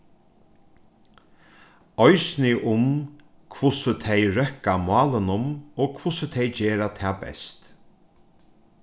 eisini um hvussu tey røkka málunum og hvussu tey gera tað best